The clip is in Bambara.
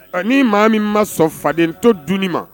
Ni maa min ma sɔn faden to dunni ma